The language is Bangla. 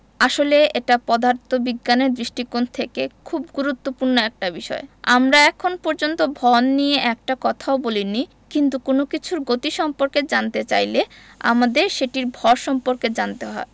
আসলে এটা পদার্থবিজ্ঞানের দৃষ্টিকোণ থেকে খুব গুরুত্বপূর্ণ একটা বিষয় আমরা এখন পর্যন্ত ভন নিয়ে একটা কথাও বলিনি কিন্তু কোনো কিছুর গতি সম্পর্কে জানতে চাইলে আমাদের সেটির ভর সম্পর্কে জানতে হয়